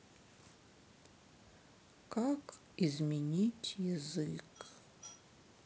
как изменить язык